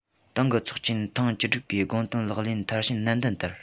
ཏང གི ཚོགས ཆེན ཐེངས བཅུ དྲུག པའི དགོངས དོན ལག ལེན མཐར ཕྱིན ནན ཏན བསྟར